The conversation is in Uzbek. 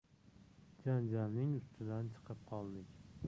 janjalning ustidan chiqib qoldik